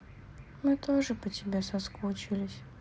мы тоже по тебе соскучились